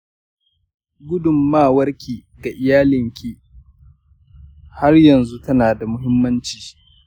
gudummawarki ga iyalinki har yanzu tana da muhimmanci.